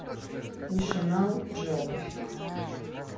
нешенал джеографик